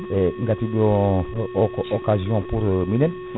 eyyi gati ɗo o ko occasion pour minen